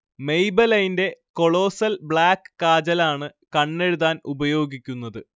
മെയ്ബെലൈന്റെ colossal black കാജലാണ് കണ്ണെഴുതാൻ ഉപയോഗിക്കുന്നത്